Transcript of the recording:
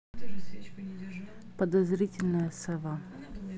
подозрительная сова